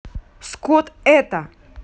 скот это